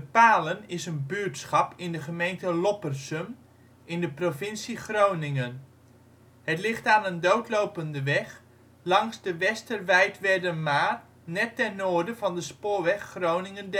Palen is een buurtschap in de gemeente Loppersum in de provincie Groningen. Het ligt aan een doodlopende weg langs de Westerwijdwerdermaar net ten noorden van de spoorweg Groningen